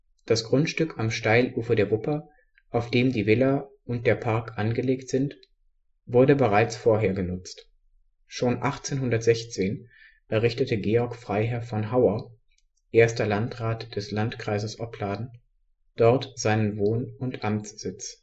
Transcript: Das Grundstück am Steilufer der Wupper, auf dem die Villa und der Park angelegt sind, wurde bereits vorher genutzt. Schon 1816 errichtete Georg Freiherr von Hauer, erster Landrat des Landkreises Opladen, dort seinen Wohn - und Amtssitz